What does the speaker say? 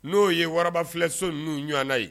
N'o ye wara filɛso n ninnu ɲɔgɔnna ye